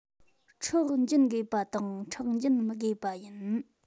ཁྲག འབྱིན དགོས པ དང ཁྲག འབྱིན མི དགོས པ ཡིན